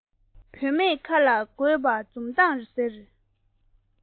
བུད མེད ཁ ལ དགོས པ འཛུམ མདངས ཟེར